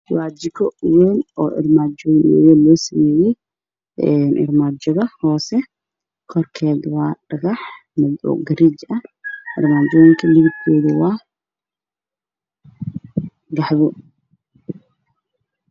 Waa jiko ween oo armajoyin losameyay korked waa dhagax oo garey ah armajada kalarkedu waa qaxwo